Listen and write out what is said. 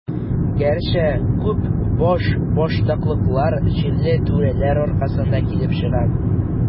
Гәрчә, күп башбаштаклыклар җирле түрәләр аркасында килеп чыга.